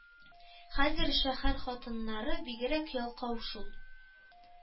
Хәзер шәһәр хатыннары бигрәк ялкау шул!